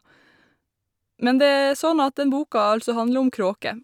Men det er sånn at den boka altså handler om kråker.